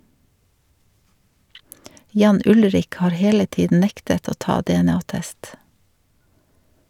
Jan Ullrich har hele tiden nektet å ta DNA-test.